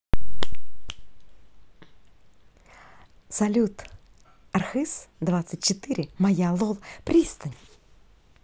салют архыз двадцать четыре моя лол пристань